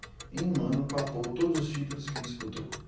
em um ano papou todos os títulos que disputou